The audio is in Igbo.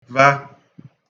va